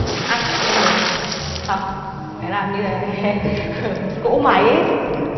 anh em muốn xong có làm như là cỗ máy ý